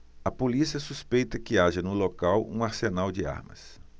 a polícia suspeita que haja no local um arsenal de armas